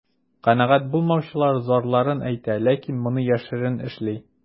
Канәгать булмаучылар зарларын әйтә, ләкин моны яшерен эшли.